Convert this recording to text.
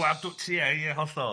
Gwadw- ti ia ia hollol.